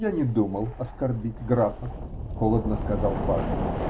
-- Я не думал оскорбить графа, -- холодно сказал паж.